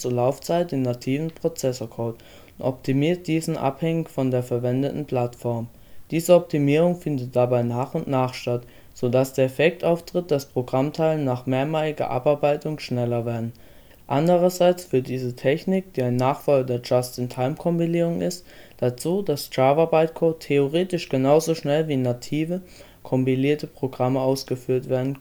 Laufzeit in nativen Prozessorcode und optimiert diesen abhängig von der verwendeten Plattform. Diese Optimierung findet dabei nach und nach statt, so dass der Effekt auftritt, dass Programmteile nach mehrmaliger Abarbeitung schneller werden. Andererseits führt diese Technik, die ein Nachfolger der Just-In-Time-Compilierung ist, dazu, dass Java-Bytecode theoretisch genau so schnell wie native, kompilierte Programme ausgeführt werden